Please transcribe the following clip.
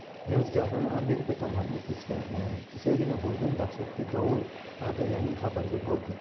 niyoz gapni amerika tomonda kechagina bo'lgan dahshatli dovul haqidagi yangi xabarga burdi